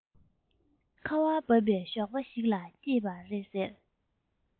ཁ བ བབས པའི ཞོགས པ ཞིག ལ སྐྱེས པ རེད ཟེར